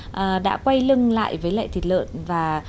à đã quay lưng lại với lại thịt lợn và